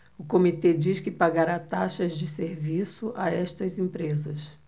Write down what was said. o comitê diz que pagará taxas de serviço a estas empresas